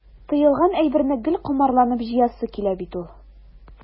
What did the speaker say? Тыелган әйберне гел комарланып җыясы килә бит ул.